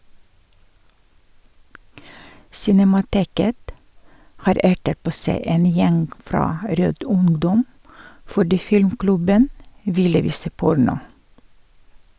Cinemateket har ertet på seg en gjeng fra "Rød ungdom" fordi filmklubben ville vise porno.